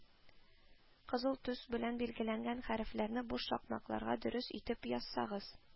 Кызыл төс белән билгеләнгән хәрефләрне буш шакмакларга дөрес итеп язсагыз,